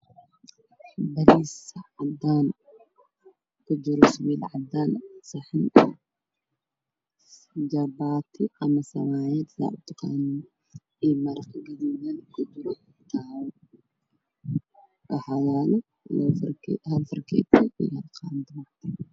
Waa saxan ku jiraan bariis cadaan jabaati d saad u taqaantid iyo suugo kalarkeedu yahay jaalo